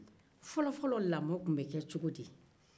fɔlɔfɔlɔ lamɔ tun bɛ kɛ cogo di